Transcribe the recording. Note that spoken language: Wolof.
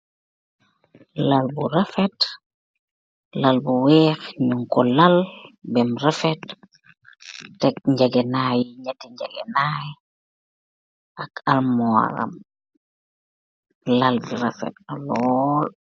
Lal bu rafet, lal bu weeh, nyew ko lal bemg rafet tek nyehtt nyegei nai ak armoram, lal bi rafet na loll